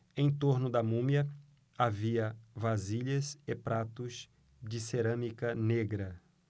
em torno da múmia havia vasilhas e pratos de cerâmica negra